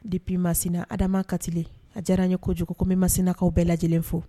Dip masina adama kati a diyara n ye ko kojugu kɔmi masinakaw bɛɛ la lajɛlen fo